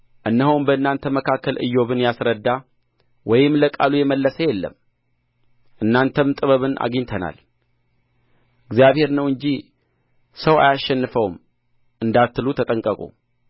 እነሆም በእናንተ መካከል ኢዮብን ያስረዳ ወይም ለቃሉ የመለሰ የለም እናንተም ጥበብን አግኝተናል እግዚአብሔር ነው እንጂ ሰው አያሸንፈውም እንዳትሉ ተጠንቀቁ